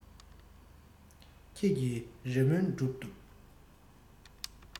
ཁྱེད ཀྱི རེ སྨོན སྒྲུབ འདུག